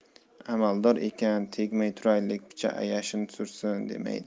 amaldor ekan tegmay turaylik picha ayshini sursin demaydi